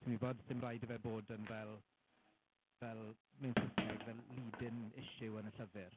Ti'n gwybod 'sdim rhaid i fe fod fel fel mewn Saesneg fel leading issue yn y llyfr.